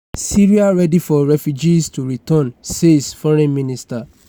Syria 'ready' for refugees to return, says Foreign Minister